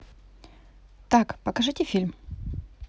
так покажите фильм